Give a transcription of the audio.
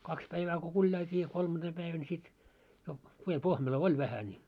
kaksi päivää kun kuljailtiin ja kolmantena päivänä sitten jo pieni pohmelo oli vähän niin